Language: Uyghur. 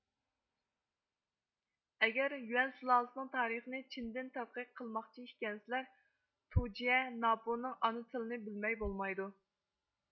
ئەگەر يۈەن سۇلالىسىنىڭ تارىخىنى چىندىن تەتقىق قىلماقچى ئىكەنسىلەر توجيەناپۇنىڭ ئانا تىلىنى بىلمەي بولمايدۇ